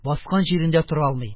Баскан җирендә тора алмый.